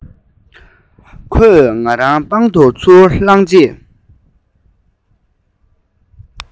ཁོས ང རང པང དུ ཚུར བླངས རྗེས